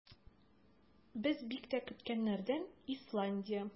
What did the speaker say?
Без бик тә көткәннәрдән - Исландия.